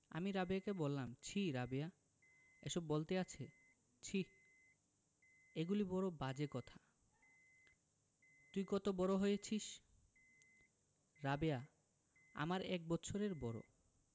আমি রাবেয়াকে বললাম ছিঃ রাবেয়া এসব বলতে আছে ছিঃ এগুলি বড় বাজে কথা তুই কত বড় হয়েছিস রাবেয়া আমার এক বৎসরের বড়